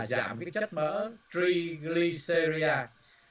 giảm được chất mỡ tri gờ li xê ri a